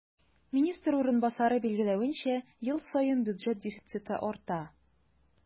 Министр урынбасары билгеләвенчә, ел саен бюджет дефициты арта.